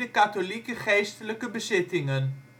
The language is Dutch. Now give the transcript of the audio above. katholieke geestelijke bezittingen